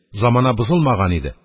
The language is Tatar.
Замана бозылмаган иде.